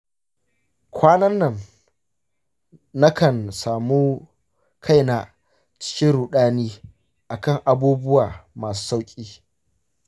kwanan nan nakan samun kaina cikin ruɗani akan abubuwa masu sauƙi.